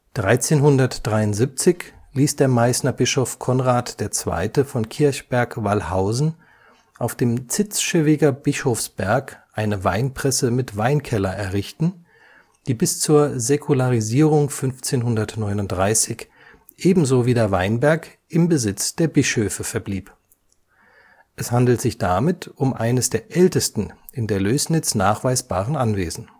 1373 ließ der Meißner Bischof Konrad II. von Kirchberg-Wallhausen auf dem Zitzschewiger Bischofsberg (Hohenhaus) eine Weinpresse mit Weinkeller (Bischofspresse) errichten, die bis zur Säkularisierung 1539 ebenso wie der Weinberg im Besitz der Bischöfe verblieb. Es handelt sich damit um eines der ältesten in der Lößnitz nachweisbaren Anwesen